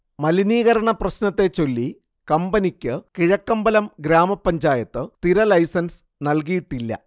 മലിനീകരണപ്രശ്നത്തെച്ചൊല്ലി കമ്പനിക്ക് കിഴക്കമ്പലം ഗ്രാമപഞ്ചായത്ത് സ്ഥിരലൈസൻസ് നൽകിയിട്ടില്ല